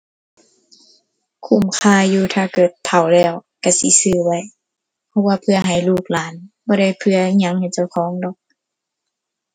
คุ้มค่าอยู่ ถ้าเกิดเฒ่าแล้วก็สิซื้อไว้ เพราะว่าเพื่อให้ลูกหลาน บ่ได้เพื่ออิหยังให้เจ้าของดอก